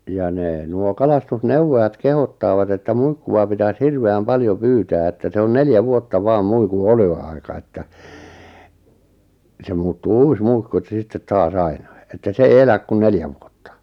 ja ne nuo kalastusneuvojat kehottavat että muikkua pitäisi hirveän paljon pyytää että se on neljä vuotta vain muikun eloaika että se muuttuu uusi muikku että se sitten taas aina että se ei elä kuin neljä vuotta